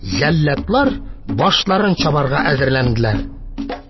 Җәлладлар башларын чабарга әзерләнделәр